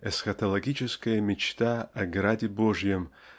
эсхатологическая мечта о Граде Божием